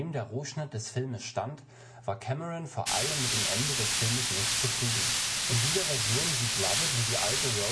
der Rohschnitt des Filmes stand, war Cameron vor allem mit dem Ende des Filmes nicht zufrieden. In dieser Version sieht Lovett, wie die alte